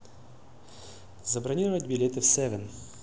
забронировать билеты в seven